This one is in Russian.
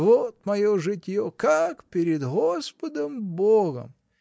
Вот мое житье — как перед Господом Богом!